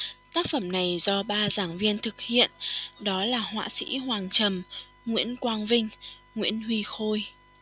tác phẩm này do ba giảng viên thực hiện đó là họa sĩ hoàng trầm nguyễn quang vinh nguyễn huy khôi